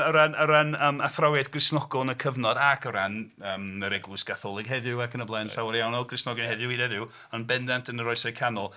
O ran... o ran yym athrawiaeth Cristnogol yn y cyfnod ac o ran yr Eglwys Gatholig heddiw ac yn y blaen, llawer o Gristnogion hyd heddiw ond yn bendant yn yr Oesau Canol.